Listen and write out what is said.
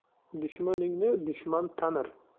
dushmaningni dushman tanir